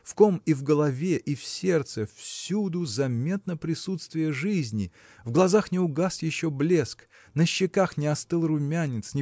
в ком и в голове и в сердце – всюду заметно присутствие жизни в глазах не угас еще блеск на щеках не остыл румянец